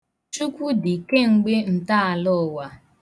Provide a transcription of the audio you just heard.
Chukwku dị kemgbe ntọala ụwa.